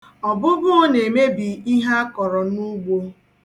Ọbụbụụ na-emebi ihe a kọrọ n'ugbo.